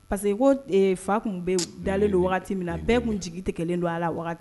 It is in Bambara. Parce que ko fa tun bɛ dalen don wagati min na bɛɛ tun jigin tɛ kelen don a la